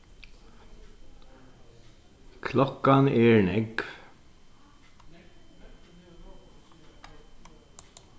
klokkan er nógv